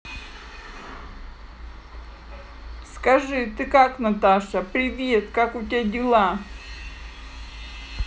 скажи ты наташа привет как у тебя дела